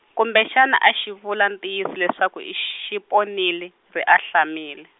kumbexani a xi vula ntiyiso leswaku xi ponile, ri ahlamile.